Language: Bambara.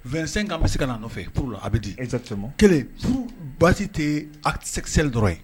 Wsɛnkan bɛ se ka nɔfɛ p walasa a bɛ di kelen furu baasi tɛ a sɛgsɛ dɔrɔn ye